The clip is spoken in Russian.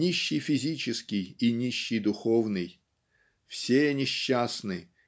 нищий физический и нищий духовный. Все несчастны